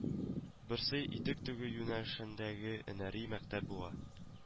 Берсе итек тегү юнәлешендәге өнәри мәктәп була